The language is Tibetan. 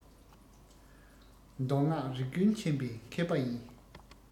མདོ སྔགས རིག ཀུན མཁྱེན པའི མཁས པ ཡིན